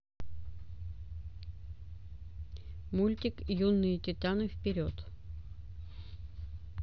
мультик юные титаны вперед